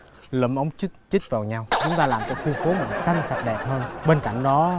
lượm móng trích trích vào nhau chúng ta làm cho khu phố này xanh sạch đẹp hơn bên cạnh đó